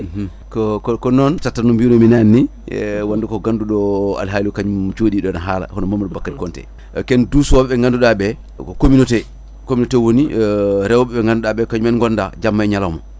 ko ko noon kono no mbinomi nane ni e wonde ko ganduɗo alhali o kañum joɗiɗo ne haala hono Mamadou Bakary Konté ken duusoɓe ɓe ganduɗa ɓe koko communauté communauté woni rewɓe ɓe ganduɗa ɓe kañum en gonda jamma e ñalawma